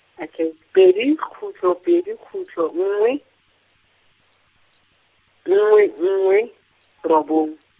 okay pedi kgutlo, pedi kgutlo, nngwe, nngwe nngwe, robong.